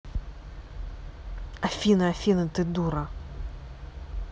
афина афина ты дура